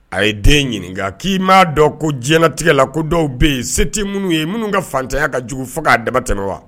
A ye den ɲininka k'i m'a dɔn ko diɲɛnatigɛ la ko dɔw bɛ yen se tɛ minnu ye minnu ka faantanya ka jugu fo k'a damatɛmɛ wa